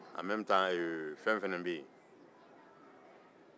fɛn fana bɛ yen